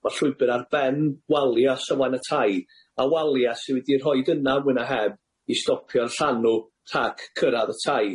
Ma'r llwybyr ar ben walia sy' o flaen y tai, a walia sy' wedi eu rhoid yna fwy na heb i stopio'r llanw rhag cyrradd y tai.